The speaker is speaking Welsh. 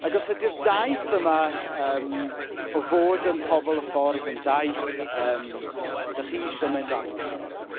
Ac os ydy'r daith yma yym o fod yn Pobol y Ffordd yn daith yym dach chi isio mynd arno tymor yma.